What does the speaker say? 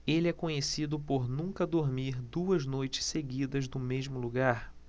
ele é conhecido por nunca dormir duas noites seguidas no mesmo lugar